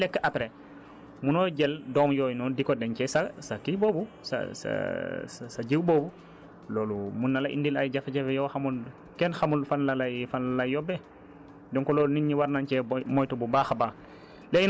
là côté boobu sax au moins mën nañu accepté mais li ngay def li ngay li ngay lekk après mënoo jël doom yooyu noonu di ko dencee sa sa kii boobu sa sa sa jiwu boobu loolu mën na la indil ay jafe-jafe yoo xamul kenn xamul fan la lay yóbbee